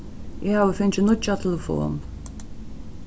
eg havi fingið nýggja telefon